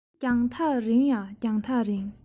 རྒྱང ཐག རིང ཡ རྒྱང ཐག རིང